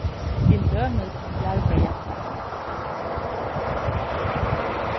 til dømis jarðberjasmakk